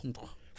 am ndox